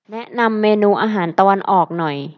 แนะนำเมนูอาหารตะวันออกหน่อย